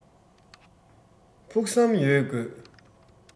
ཕུགས བསམ ཡོད དགོས